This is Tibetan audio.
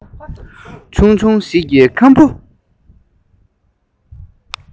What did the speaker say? ཆུང ཆུང ཞིག གིས ཁམ བུ